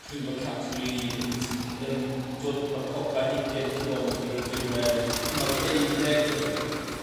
dringfao categori un sy'n c- yym ddo ma' copa ugen cilometer o'r diwedd. Cymal deuddeg on' t'wo' fi